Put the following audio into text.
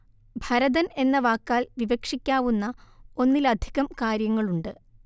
ഭരതന്‍ എന്ന വാക്കാല്‍ വിവക്ഷിക്കാവുന്ന ഒന്നിലധികം കാര്യങ്ങളുണ്ട്